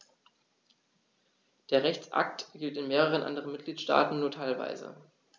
Der Rechtsakt gilt in mehreren anderen Mitgliedstaaten nur teilweise.